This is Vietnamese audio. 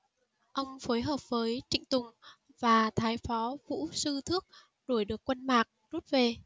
ông phối hợp với trịnh tùng và thái phó vũ sư thước đuổi được quân mạc rút về